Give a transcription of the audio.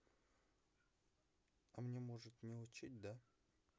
а мне может не учить да